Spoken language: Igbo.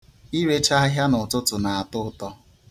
Irecha ahịa n'ụtụtụ na-atọ ụtọ.